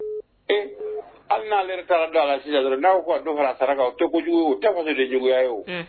E hali n'aale taara don la'aw fara saraka o tɛ de juguya ye o